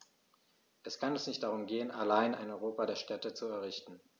Es kann uns nicht darum gehen, allein ein Europa der Städte zu errichten.